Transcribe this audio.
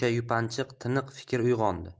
yupanchiq tiniq fikr uyg'ondi